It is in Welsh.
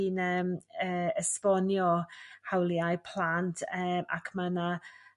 yn em e esbonio hawliau plant eem ac mae 'na